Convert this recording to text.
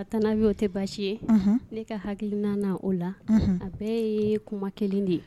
A tananabi oo tɛ baasi ye ne ka hakilinan o la a bɛɛ ye kuma kelen de ye